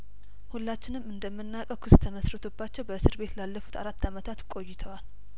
ሁላችን እንደምና ቀው ክስ ተመስርቶባቸው በእስር ቤት ላለፉት አራት አመታት ቆይተዋል